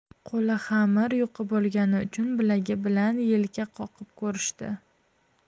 qo'li xamir yuqi bo'lgani uchun bilagi bilan yelka qoqib ko'rishdi